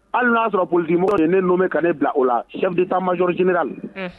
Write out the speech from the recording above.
Hali y'a sɔrɔ poli quemo ye ne numu bɛ ka ne bila o la sɛti taama majjimina la